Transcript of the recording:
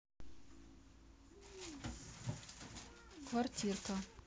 квартирка